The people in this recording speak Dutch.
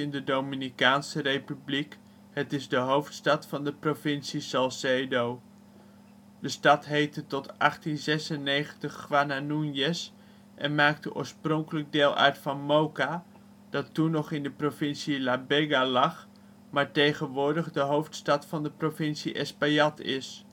de Dominicaanse Republiek, het is de hoofdstad van de provincie Salcedo. De stad heette tot 1896 " Juana Núñez " en maakte oorspronkelijk deel uit van Moca, dat toen nog in de provincie La Vega lag, maar tegenwoordig de hoofdstad van de provincie Espaillat is